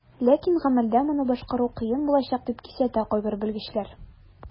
Ләкин гамәлдә моны башкару кыен булачак, дип кисәтә кайбер белгечләр.